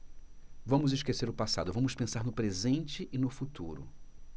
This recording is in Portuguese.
vamos esquecer o passado vamos pensar no presente e no futuro